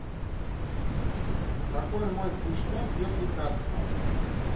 какой мой смешной пьет лекарство